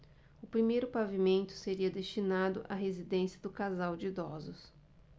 o primeiro pavimento seria destinado à residência do casal de idosos